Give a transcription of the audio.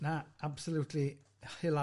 Na, absolutely hilarious.